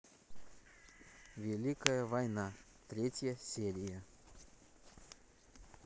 великая война третья серия